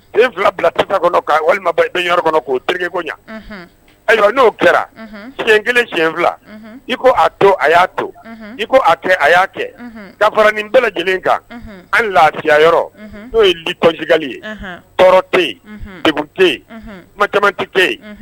Den fila bila t kɔnɔ' walima i bɛ yɔrɔ kɔnɔ k'o tigi koɲa ayiwa n'o kɛra tiɲɛ kelen tiɲɛ fila i ko a to a y'a to i a kɛ a y'a kɛ gafarain bɛɛ lajɛlen kan an lafiya yɔrɔ n'o ye tɔnonjɛli ye tɔɔrɔ tɛ yen de tɛ yen kuma caman tɛ tɛ yen